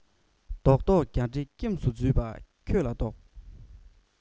བཟློག བཟློག རྒྱ འདྲེ སྐྱེམས སུ བརྫུས པ ཁྱོད ལ བཟློག